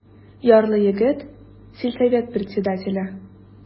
Ярлы егет, сельсовет председателе.